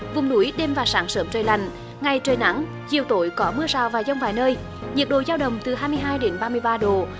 vùng núi đêm và sáng sớm trời lạnh ngày trời nắng chiều tối có mưa rào và dông vài nơi nhiệt độ dao động từ hai mươi hai đến ba mươi ba độ